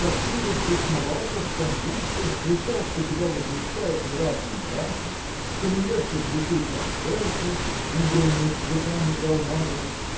как ты тут бесновался в конвульсиях кричал что тебя возмущают неравные браки что невесту влекут как жертву убранную цветами и алмазами